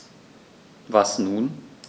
Was nun?